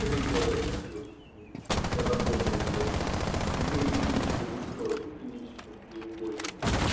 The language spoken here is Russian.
Три года я жил с ними и работал для них, и прилепился душою к нищим и убогим.